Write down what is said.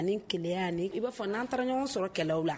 Ani ni kɛlɛya i b'a fɔ n'an taara ɲɔgɔn sɔrɔ kɛlɛ la